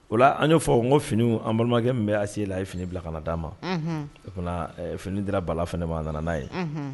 O an y'o fɔ o n ko fini an balimakɛ min bɛ a se la a ye fini bila kana d'a ma o fini dira bala fɛ ma a nana n'a ye